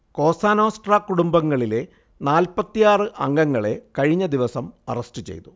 Cosa Nostra കുടുംബങ്ങളിലെ നാല്പത്തിയാറു അംഗങ്ങളെ കഴിഞ്ഞദിവസം അറസ്റ്റ് ചെയ്തു